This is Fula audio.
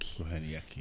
ko heen yakkii